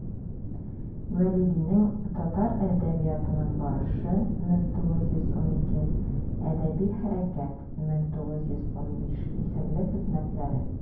Вәлидинең «Татар әдәбиятының барышы» (1912), «Әдәби хәрәкәт» (1915) исемле хезмәтләре.